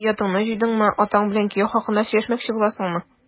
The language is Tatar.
Әллә оятыңны җуйдыңмы, атаң белән кияү хакында сөйләшмәкче буласыңмы? ..